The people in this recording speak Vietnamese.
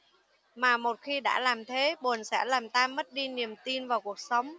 mà một khi đã làm thế buồn sẽ làm ta mất đi niềm tin vào cuộc sống